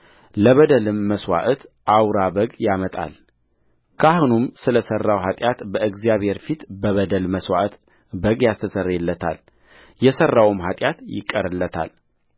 ለበደልም መሥዋዕት አውራ በግ ያመጣልካህኑም ስለ ሠራው ኃጢአት በእግዚአብሔር ፊት በበደል መሥዋዕት በግ ያስተሰርይለታል የሠራውም ኃጢአት ይቀርለታል